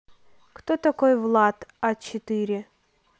кто такой влад а четыре